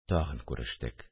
Тагын күрештек